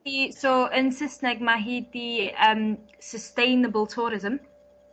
So yn Sysneg ma' hi 'di yym sustainable tourism.